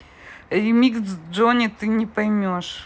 ремикс джонни ты не поймешь